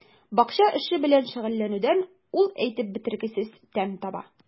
Бакча эше белән шөгыльләнүдән ул әйтеп бетергесез тәм таба.